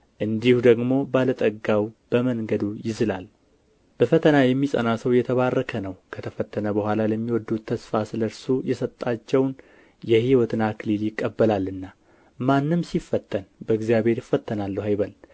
እንዲሁ ደግሞ ባለ ጠጋው በመንገዱ ይዝላል በፈተና የሚጸና ሰው የተባረከ ነው ከተፈተነ በኋላ ለሚወዱት ተስፋ ስለ እርሱ የሰጣቸውን የሕይወትን አክሊል ይቀበላልና ማንም ሲፈተን በእግዚአብሔር እፈተናለሁ አይበል